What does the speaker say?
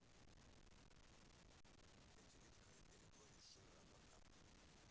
пятилетка на перегоне шира абакан